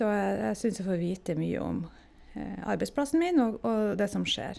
Og æ jeg syns jeg får vite mye om arbeidsplassen min og og det som skjer.